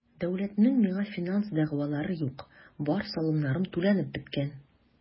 Дәүләтнең миңа финанс дәгъвалары юк, бар салымнарым түләнеп беткән.